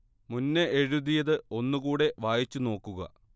മുന്നേ എഴുതിയത് ഒന്നു കൂടെ വായിച്ചു നോക്കുക